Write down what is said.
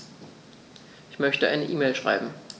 Ich möchte eine E-Mail schreiben.